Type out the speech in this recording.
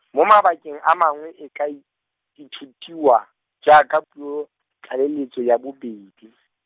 mo mabakeng a mangwe e ka i-, ithutiwa, jaaka puo, tlaleletso ya bobedi.